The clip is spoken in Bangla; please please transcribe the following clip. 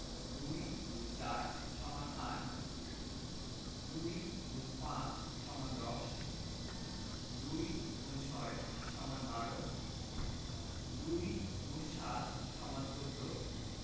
২ X ৪ = ৮ ২ X ৫ = ১০ ২ X ৬ = ১২ ২ X ৭ = ১৪